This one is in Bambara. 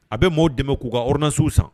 A be mɔɔw dɛmɛ k'u ka ordonnance w san